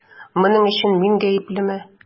Моның өчен мин гаеплемени?